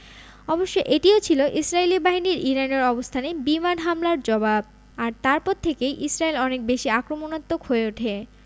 অবশ্য এটিও ছিল ইসরায়েলি বাহিনীর ইরানের অবস্থানে বিমান হামলার জবাব আর তারপর থেকেই ইসরায়েল অনেক বেশি আক্রমণাত্মক হয়ে ওঠে